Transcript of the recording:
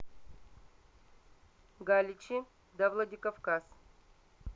галичи да владикавказ